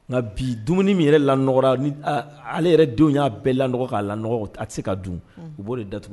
Nka bi dumuni min yɛrɛ laɔgɔ ni ale yɛrɛ denw y'a bɛɛ laɔgɔ la a se ka dun u b'o de datugu